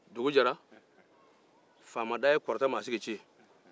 dugu jɛra faama da ye kɔrɔtɛ masigi ci